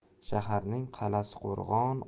shaharning qa'lasi qo'rg'on